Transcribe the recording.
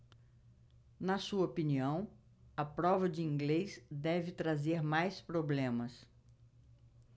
na sua opinião a prova de inglês deve trazer mais problemas